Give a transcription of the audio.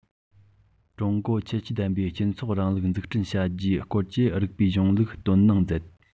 ཀྲུང གོའི ཁྱད ཆོས ལྡན པའི སྤྱི ཚོགས རིང ལུགས འཛུགས སྐྲུན བྱ རྒྱུའི སྐོར གྱི རིགས པའི གཞུང ལུགས བཏོན གནང མཛད